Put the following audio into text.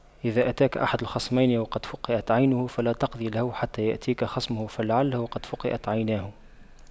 إذا أتاك أحد الخصمين وقد فُقِئَتْ عينه فلا تقض له حتى يأتيك خصمه فلعله قد فُقِئَتْ عيناه